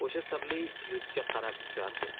o'sha sirli yurtga qarab uchardi